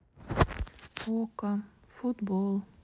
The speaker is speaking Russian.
окко футбол